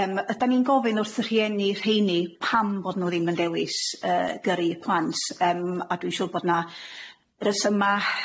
Yym ydan ni'n gofyn wrth y rhieni rheini pam bod nhw ddim yn dewis yy gyrru i plant yym a dwi'n siŵr bod 'na rhesyma